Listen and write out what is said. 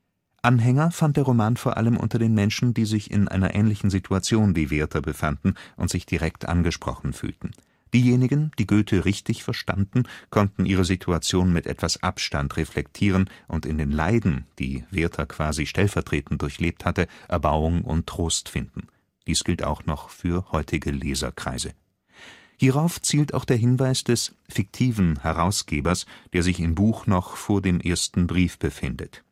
Anhänger fand der Roman vor allem unter den Menschen, die sich in einer ähnlichen Situation wie Werther befanden und sich direkt angesprochen fühlten. Diejenigen, die Goethe richtig verstanden, konnten ihre Situation mit etwas Abstand reflektieren und in den Leiden, die Werther quasi stellvertretend durchlebt hatte, Erbauung und Trost finden. Dies gilt auch noch für heutige Leserkreise. Hierauf zielt auch der Hinweis des – fiktiven – Herausgebers, der sich im Buch noch vor dem ersten Brief befindet